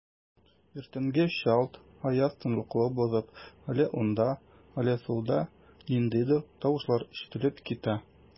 Иртәнге чалт аяз тынлыкны бозып, әле уңда, әле сулда ниндидер тавышлар ишетелеп китә.